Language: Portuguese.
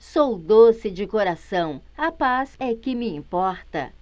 sou doce de coração a paz é que me importa